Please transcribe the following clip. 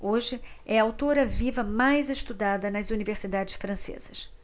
hoje é a autora viva mais estudada nas universidades francesas